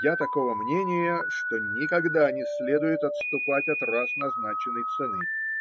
Я такого мнения, что никогда не следует отступать от раз назначенной цены.